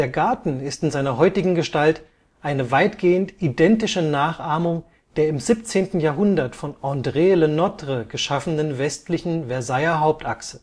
Garten ist in seiner heutigen Gestalt eine weitgehend identische Nachahmung der im 17. Jahrhundert von André Le Nôtre geschaffenen westlichen Versailler Hauptachse